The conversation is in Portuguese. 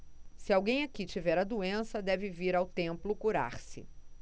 se alguém aqui tiver a doença deve vir ao templo curar-se